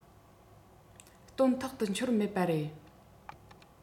དོན ཐོག ཏུ འཁྱོལ མེད པ རེད